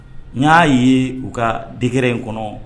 N y'a ye u ka degeɛrɛ in kɔnɔ